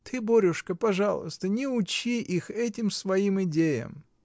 — Ты, Борюшка, пожалуйста, не учи их этим своим идеям!.